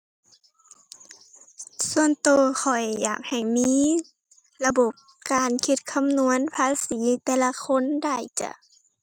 ส่วนตัวข้อยอยากให้มีระบบการคิดคำนวณภาษีแต่ละคนได้จ้ะ